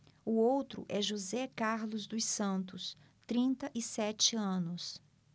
o outro é josé carlos dos santos trinta e sete anos